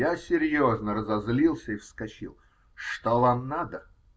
Я серьезно разозлился и вскочил: -- Что вам надо?